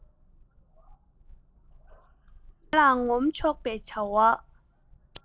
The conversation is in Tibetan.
གཞན ལ ངོམ ཆོག པའི བྱ བ